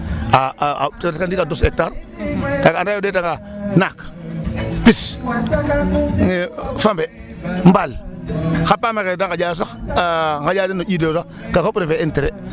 A presque ndiik a dos hectare kaaaga ande o ɗeetangaan naak, pis, fambe, mbaal, xa paam axe da nqaƴaq sax ,a nqaƴaq den no Ƴiiɗ ole sax kaqga fop refee intéret.